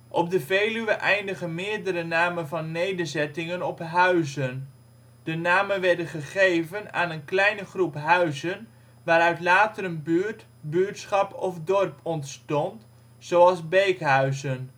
Op de Veluwe eindigen meerdere namen van nederzettingen op - huizen. De namen werden gegeven aan een kleine groep huizen waaruit later een buurt, buurtschap of dorp ontstond, zoals Beekhuizen